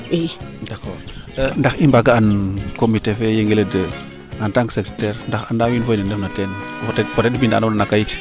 d' accord ndax i mbaaga an comité fee Yengele en tant Secretaire ndax anda wiin fodne ndefna teen peut bindaano na kayit